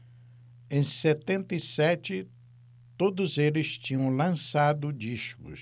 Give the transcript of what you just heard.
em setenta e sete todos eles tinham lançado discos